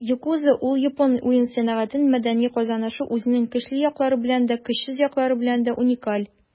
Yakuza - ул япон уен сәнәгатенең мәдәни казанышы, үзенең көчле яклары белән дә, көчсез яклары белән дә уникаль.